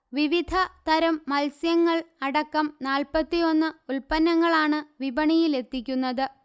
വിവിധ തരം മത്സ്യങ്ങൾ അടക്കം നാല്പ്പത്തിയൊന്ന്ഉത്പന്നങ്ങളാണ് വിപണിയിലെത്തിക്കുന്നത്